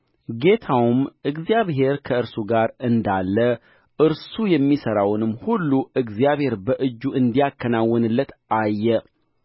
ዮሴፍም በጌታው ፊት ሞገስን አገኘ እርሱንም ያገለግለው ነበር በቤቱም ላይ ሾመው ያለውንም ሁሉ በእጁ ሰጠው